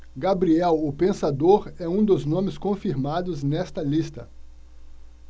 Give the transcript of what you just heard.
gabriel o pensador é um dos nomes confirmados nesta lista